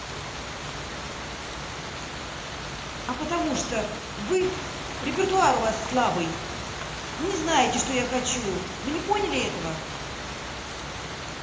а потому что вы репертуар у вас слабый и не знаете что я хочу вы не поняли этого